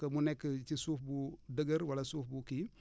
que mu nekk si suuf bu dëgër wala suuf bu kii